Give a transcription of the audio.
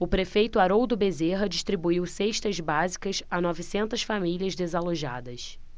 o prefeito haroldo bezerra distribuiu cestas básicas a novecentas famílias desalojadas